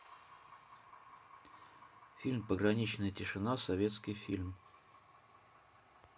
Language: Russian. фильм пограничная тишина советский фильм